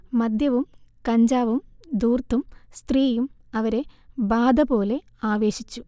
മദ്യവും കഞ്ചാവും ധൂർത്തും സ്ത്രീയും അവരെ ബാധപോലെ ആവേശിച്ചു